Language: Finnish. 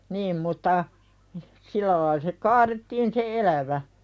niin mutta sillä lailla se kaadettiin se elävä